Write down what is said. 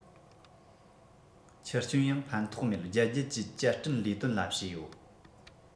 ཆུ སྐྱོན ཡང ཕན ཐོགས མེད བརྒྱད བརྒྱད ཀྱི བསྐྱར སྐྲུན ལས དོན ལ བྱས ཡོད